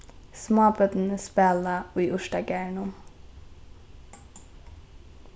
smábørnini spæla í urtagarðinum